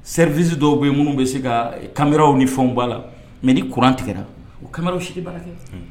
Service dɔw bɛ munun bi se ka kanraw ni fɛnw ba la . ais ni kuran tigɛ la o kamaraw si tɛ baara kɛ.